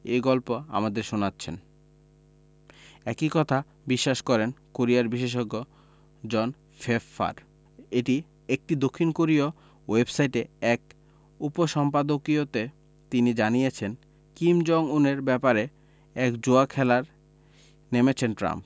এই গল্প আমাদের শোনাচ্ছেন একই কথা বিশ্বাস করেন কোরিয়া বিশেষজ্ঞ জন ফেফফার এটি একটি দক্ষিণ কোরীয় ওয়েবসাইটে এক উপসম্পাদকীয়তে তিনি জানিয়েছেন কিম জং উনের ব্যাপারে এক জুয়া খেলার নেমেছেন ট্রাম্প